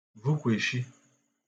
vukweshi